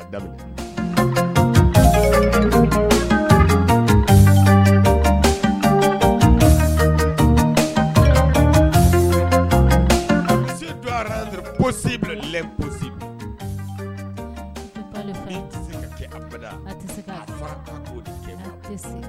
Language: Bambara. Le